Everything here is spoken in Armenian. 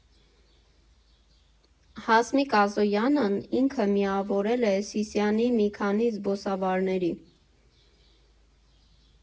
Հասմիկ Ազոյանն ինքը միավորել է Սիսիանի մի քանի զբոսավարների։